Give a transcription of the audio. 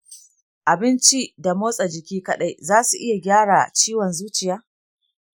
abinci da motsa jiki kaɗai za su iya gyara ciwon zuciya?